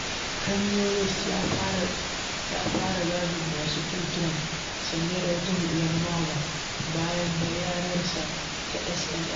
Kanye West Ya Fara Zagin Masu Ƙin Trump, Sanye da wata Hular MAGA, Bayan Bayyanarsa ta SNL.